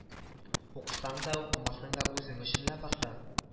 Укысаң да укымасаң да үзең өчен ләбаса